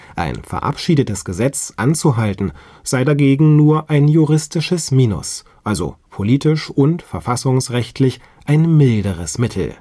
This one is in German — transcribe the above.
Ein verabschiedetes Gesetz anzuhalten sei dagegen nur ein juristisches Minus, also politisch und verfassungsrechtlich ein milderes Mittel